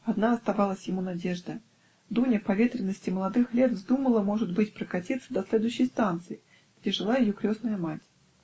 Одна оставалась ему надежда: Дуня по ветрености молодых лет вздумала, может быть, прокатиться до следующей станции, где жила ее крестная мать.